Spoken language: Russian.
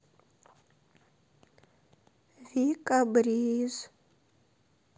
вика бриз